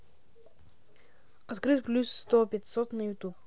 открыть плюс сто пятьсот на ютуб